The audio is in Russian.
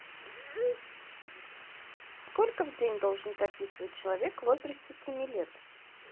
сколько в день должен прописывать человек в возрасте семи лет